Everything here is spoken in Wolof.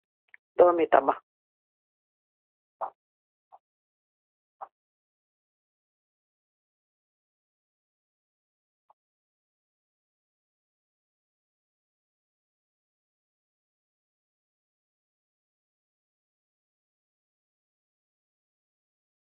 Domi Tamā